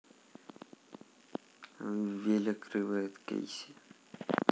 веля крывает кейси